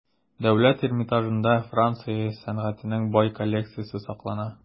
Дәүләт Эрмитажында Франция сәнгатенең бай коллекциясе саклана.